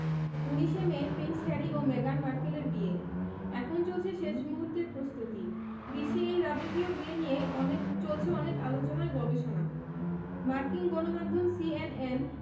১৯শে May Prince Harry ও মেগান মার্কেলের বিয়ে এখন চলছে শেষ মুহূর্তের প্রস্তুতি বিশ্বে এই রাজকীয় বিয়ে নিয়ে অনেক চলছে অনেক আলোচনা গবেষণা মার্কিন গণমাধ্যম সিএনএন